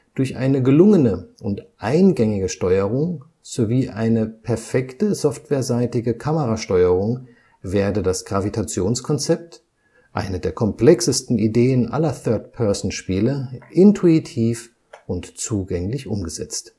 Durch eine gelungene und eingängige Steuerung sowie eine „ perfekte “softwareseitige Kamerasteuerung werde das Gravitationskonzept – eine der komplexesten Ideen aller Third-Person-Spiele – intuitiv und zugänglich umgesetzt